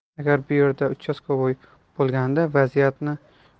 agar bu yerda 'uchastkavoy' bo'lganida vaziyatni